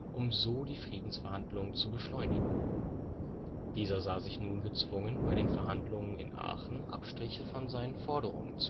um so die Friedensverhandlungen zu beschleunigen. Dieser sah sich nun gezwungen, bei den Verhandlungen in Aachen Abstriche von seinen Forderungen